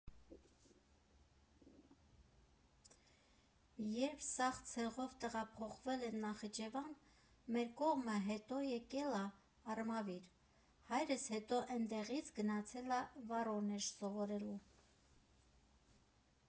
Երբ սաղ ցեղով տեղափոխվել են Նախիջևան, մեր կողմը հետո էկել ա Արմավիր, հայրս հետո էնդեղից գնացել ա Վորոնեժ՝ սովորելու։